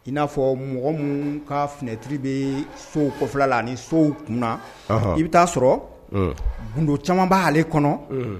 I n'a fɔ mɔgɔ minnu ka finɛtiri bɛ so kɔfɛla la ani sow kunna , i bɛ taa sɔrɔ gundo caaman b'ale kɔnɔ.